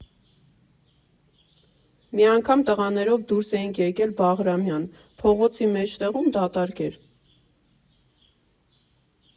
Մի անգամ տղաներով դուրս էինք եկել Բաղրամյան, փողոցի մեջտեղում դատարկ էր.